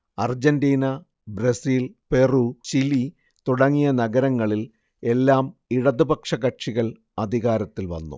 Argentina Brazil Peru Chile തുടങ്ങിയ നഗരങ്ങളിൽ എല്ലാം ഇടതുപക്ഷ കക്ഷികൾ അധികാരത്തിൽ വന്നു